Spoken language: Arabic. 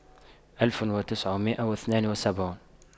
ألف وتسعمئة واثنان وسبعون